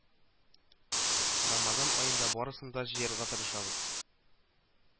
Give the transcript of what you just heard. Рамазан аенда барысын да җыярга тырышабыз